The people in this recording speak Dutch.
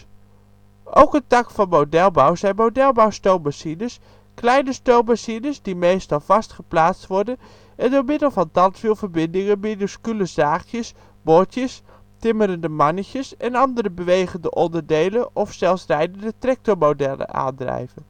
Ook een tak van de modelbouw zijn modelbouw stoommachines, kleine stoommachines die (meestal) vast geplaatst worden en door middel van tandwielverbindingen miniscule zaagjes, boortjes, timmerende mannetjes en andere bewegende onderdelen, of soms rijdende tractor modelen aandrijven